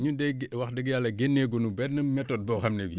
ñun de gé wax dëgg Yàlla génnee gu nu benn méthode boo xam ne bii